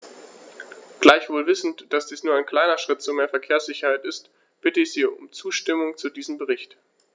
Gleichwohl wissend, dass dies nur ein kleiner Schritt zu mehr Verkehrssicherheit ist, bitte ich Sie um die Zustimmung zu diesem Bericht.